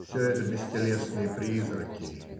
все это бестелесные призраки.